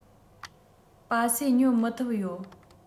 སྤ སེ ཉོ མི ཐུབ ཡོད